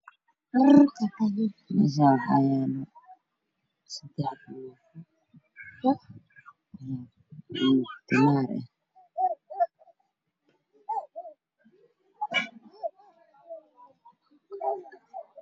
Waxa ay muuqda saddex jabbaati kalkooda yihiin jaalo weel ay ku jiraan oo caddaan